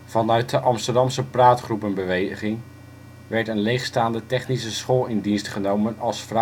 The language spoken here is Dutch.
Vanuit de Amsterdamse praatgroepenbeweging werd een leegstaande technische school in dienst genomen als